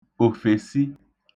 òfèsi